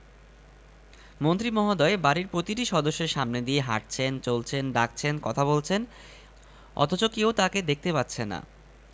মন্ত্রী মহোদয় বাড়ির প্রতিটি সদস্যের সামনে দিয়ে হাঁটছেন চলছেন ডাকছেন কথা বলছেন অথচ কেউ তাঁকে দেখতে পাচ্ছে না